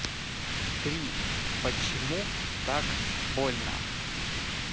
три почему так больно